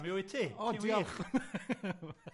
...mi wyt ti. O diolch.